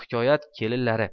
hikoyat kelinlari